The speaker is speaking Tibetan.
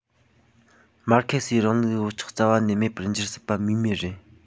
མར ཁེ སིའི རིང ལུགས ཀྱི བག ཆགས རྩ བ ནས མེད པར འགྱུར སྲིད པ སྨོས མེད རེད